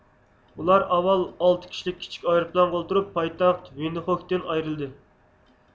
ئۇلار ئاۋۋال ئالتە كىشىلىك كىچىك ئايروپىلانغا ئولتۇرۇپ پايتەخت ۋىندخوكتىن ئايرىلدى